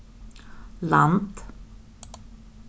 land